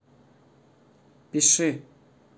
пиши